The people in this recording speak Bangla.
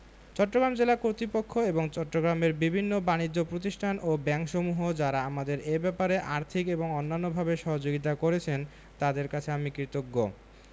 চট্টগ্রাম জেলা কর্তৃপক্ষ এবং চট্টগ্রামের বিভিন্ন বানিজ্য প্রতিষ্ঠান ও ব্যাংকসমূহ যারা আমাদের এ ব্যাপারে আর্থিক এবং অন্যান্যভাবে সহযোগিতা করেছেন তাঁদের কাছে আমি কৃতজ্ঞ